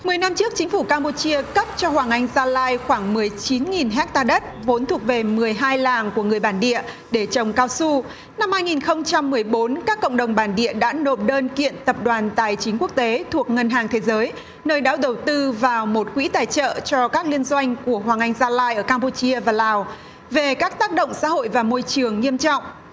mười năm trước chính phủ cam bu chia cấp cho hoàng anh gia lai khoảng mười chín nghìn héc ta đất vốn thuộc về mười hai làng của người bản địa để trồng cao su năm hai nghìn không trăm mười bốn các cộng đồng bản địa đã nộp đơn kiện tập đoàn tài chính quốc tế thuộc ngân hàng thế giới nơi đã đầu tư vào một quỹ tài trợ cho các liên doanh của hoàng anh gia lai ở cam bu chia và lào về các tác động xã hội và môi trường nghiêm trọng